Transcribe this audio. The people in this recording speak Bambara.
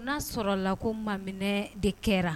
O n'a sɔrɔ la ko maminɛ de kɛra